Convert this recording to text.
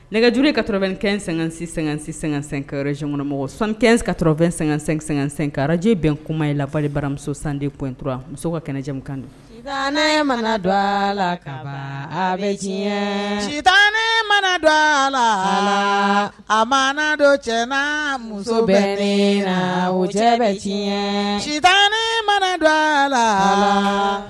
Nɛgɛj ka t2 kɛ sɛgɛn-sɛ-sɛsɛkaɛrɛ zɔn mɔgɔ san kɛn ka t2-sɛ-sɛsɛnkara araje bɛn kuma in la fɔ baramuso san kuntura muso ka kɛnɛjamu kan don mana dɔ a la ka bɛ sita mana dɔ a la a mana dɔ cɛ muso bɛ ne la o cɛ bɛ sita mana dɔ a la